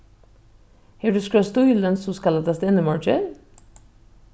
hevur tú skrivað stílin sum skal latast inn í morgin